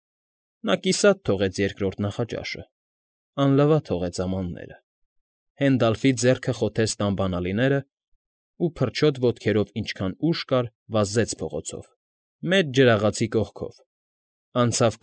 Նա կիսատ թողեց երկրորդ նախաճաշը, անլվա թողեց ամանները, Հենդալֆի ձեռքը խոթեց տան բանալիներն ու փռչոտ ոտքերում ինչքան ուժ կար՝ վազեց փողոցով, մեծ ջրաղացի կողքով, անցավ։